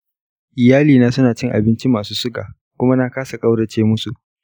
iyalina su na cin abinci masu suga, kuma na kasa ƙaurace musu.